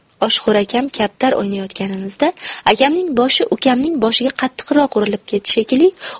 oshxo'rakam kaptar o'ynayotganimizda akamning boshi ukamning boshiga qattiqroq urilib ketdi shekilli